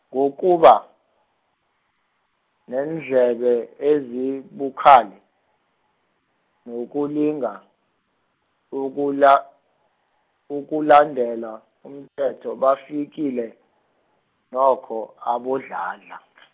ngokuba, neendlebe ezibukhali, nokulinga, ukula- ukulandela umthetho bafikile, nokho, aboDladla .